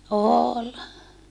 oli